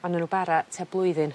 a newn n'w bara tua blwyddyn.